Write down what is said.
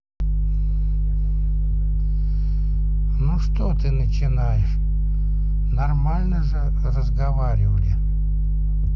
ну что ты начинаешь нормально же разговаривали